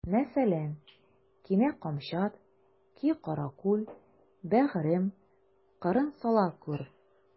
Мәсәлән: Кимә камчат, ки каракүл, бәгърем, кырын сала күр.